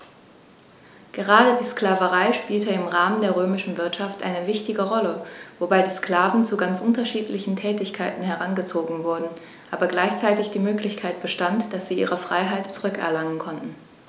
Gerade die Sklaverei spielte im Rahmen der römischen Wirtschaft eine wichtige Rolle, wobei die Sklaven zu ganz unterschiedlichen Tätigkeiten herangezogen wurden, aber gleichzeitig die Möglichkeit bestand, dass sie ihre Freiheit zurück erlangen konnten.